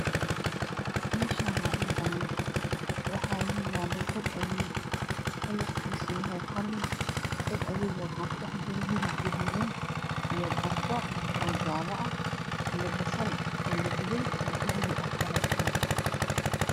Mesha u waa dhul banaan waxana yala tag awey kalar kiisu yahay qalin tag aweyga waxaa ku jira hilib gaduudan iyo baradho jala ah iyo basal la dubay oo dahabi ah